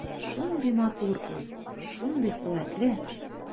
Шундый матур ул, шундый куәтле.